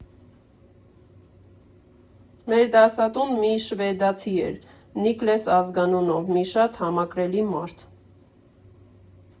Մեր դասատուն մի շվեդացի էր՝ Նիկլես ազգանունով, մի շատ համակրելի մարդ։